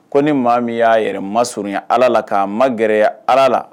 Ko ni maa min y'a yɛrɛ ma surunya ala la k'a ma gɛrɛ ala la